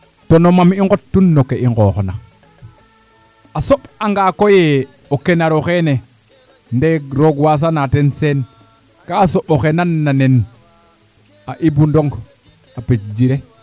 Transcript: to no mam i nqotun no ke i ngooxna a soɓ'anga koyee o kenar oxeene nde roog waasanaam o ten Seen ka soɓ oxene nandna nena Ibou Ndoung a pec jire